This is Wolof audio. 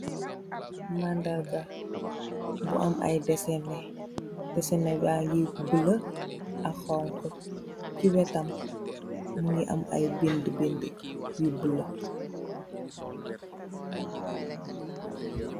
Mandarga bu am ay desene. Desene baa ngi bulo ak xoñga. Ci wetam, mu ngi am ay bindë bindë, yu bulo.